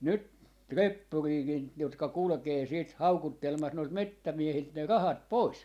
nyt reppuriakin jotka kulkee sitten haukuttelemassa noilta metsämiehiltä ne rahat pois